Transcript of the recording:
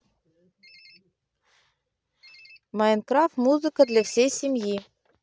майнкрафт музыка для всей семьи